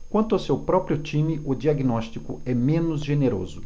quanto ao seu próprio time o diagnóstico é menos generoso